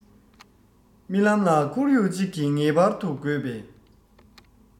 རྨི ལམ ལ ཁོར ཡུག ཅིག ངེས པར དུ དགོས པས